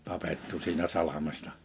tapettu siinä salmessa